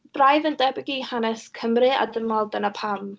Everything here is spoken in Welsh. Braidd yn debyg i hanes Cymru a dwi'n meddwl dyna pam.